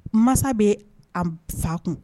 Masa bee a m fa kun